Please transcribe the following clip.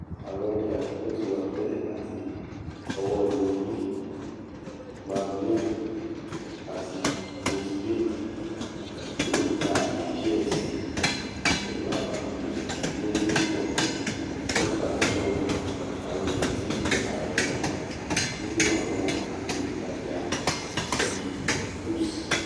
Àwọn ọjà tótiwà tẹ́lẹ̀ láti ọwọ́ L'Oreal, Maybelline àti Burt's Bees yóò gba àayè díẹ̀ síi pẹ̀lú àwọn agbègbè̀ tí o lórúkọ tó farajọ àwọn èyití a ń rí nínú àwọn ilé ìtajà bíi Boots.